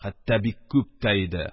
Хәтта бик күп тә иде.